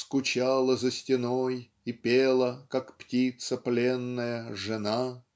Скучала за стеной и пела, Как птица пленная, жена.